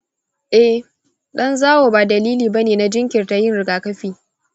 eh, ɗan zawo ba dalili ba ne na jinkirta yin rigakafi.